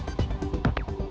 những